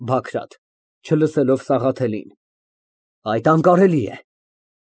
ԲԱԳՐԱՏ ֊ (Չլսելով Սաղաթելին) Այդ անկարելի է։